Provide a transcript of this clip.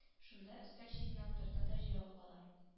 Шунда өстәл читенә утырта да җавап ала